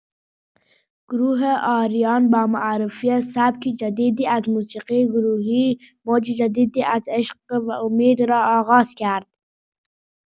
گروه آریان با معرفی سبک جدیدی از موسیقی گروهی، موج جدیدی از عشق و امید را آغاز کرد.